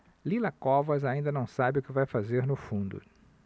lila covas ainda não sabe o que vai fazer no fundo